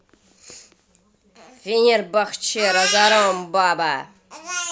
фенербахче разором баба